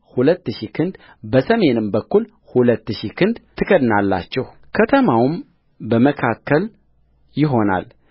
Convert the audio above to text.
ሁለት ሺህ ክንድ በሰሜንም በኩል ሁለት ሺህ ክንድ ትከነዳላችሁ ከተማውም በመካከል ይሆናል